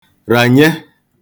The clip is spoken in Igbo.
rànye